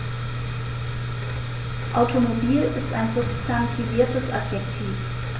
Automobil ist ein substantiviertes Adjektiv.